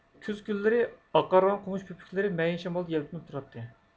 كۈز كۈنلىرى ئاقارغان قومۇش پۆپۈكلىرى مەيىن شامالدا يەلپۈنۈپ تۇراتتى